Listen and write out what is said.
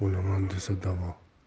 yo'q o'laman desa davo